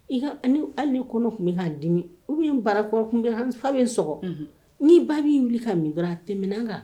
I ni hali kɔnɔ tun bɛ k'a dimi u bɛ ye baara kɔrɔ kun bɛ fa bɛ sɔgɔ ni ba b'i wili ka min a tɛmmin kan